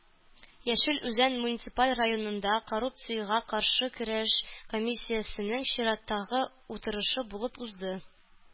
Яшел Үзән муниципаль районында коррупциягә каршы көрәш комиссиясенең чираттагы утырышы булып узды.